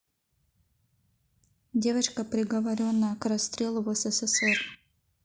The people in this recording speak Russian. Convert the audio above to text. девочка приговоренная к расстрелу в ссср